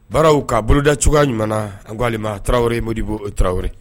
Baararaww ka boloda cogoya ɲuman an koale tarawelewre modibo tarawelere